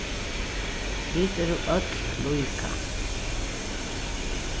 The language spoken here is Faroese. vit eru øll líka